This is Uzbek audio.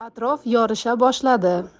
atrof yorisha boshladi